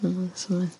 O'dd 'm sylwi.